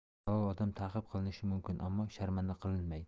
halol odam ta'qib qilinishi mumkin ammo sharmanda qilinmaydi